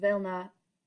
fel 'na